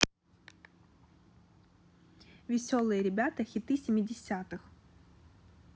веселые ребята хиты семидесятых